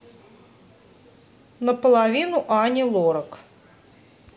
наполовину ани лорак